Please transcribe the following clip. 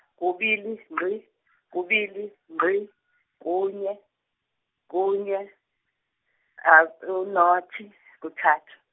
kubili ngqi kubili ngqi kunye, kunye u- nought kuthathu.